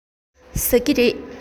ཟ ཀི རེད